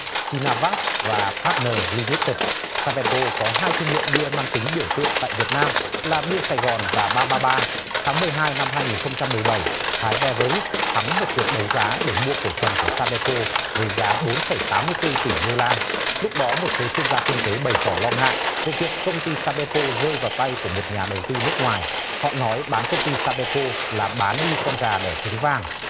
chi na vát và phát nờ li mít tựt sa be co có hai thương hiệu bia mang tính biểu tượng tại việt nam là bia sài gòn và ba ba ba tháng mười hai năm hai nghìn không trăm mười bảy thai be ve rít thắng một cuộc đấu giá để mua cổ phần của sa be co với giá bốn phẩy tám mươi tư tỷ đô la lúc đó một số chuyên gia kinh tế bày tỏ lo ngại về việc công ty sa be co rơi vào tay của một nhà đầu tư nước ngoài họ nói bán công ty sa be co là bán đi con gà đẻ trứng vàng